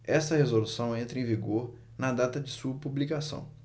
esta resolução entra em vigor na data de sua publicação